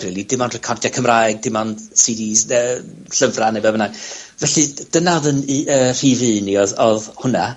rili, dim ond recordia' Cymraeg, dim ond see dees ne llyfra ne' be' bynnag. . Felly, dyna odd yn u- yy rhif un i odd odd hwnna.